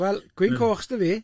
Wel, gwin coch s'da fi.